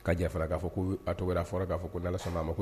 Ka jɛ k'a fɔ ko a tora fɔra k'a ko dala saba ma